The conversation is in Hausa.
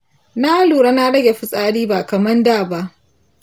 na lura na rage fitsari ba kaman da ba